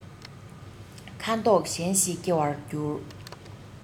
ཁ དོག གཞན ཞིག སྐྱེ བར འགྱུར